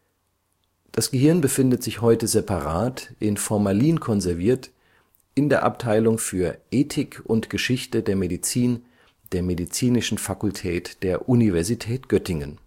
Es befindet sich heute separat, in Formalin konserviert, in der Abteilung für Ethik und Geschichte der Medizin der Medizinischen Fakultät der Universität Göttingen